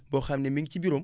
boo xam ne mu ngi ci bureau am